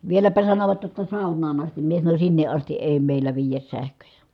vieläpä sanoivat jotta saunaan asti minä sanoin sinne asti ei meillä viedä sähköjä